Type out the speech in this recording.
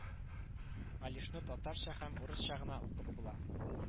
Алишны татарча һәм урысча гына укып була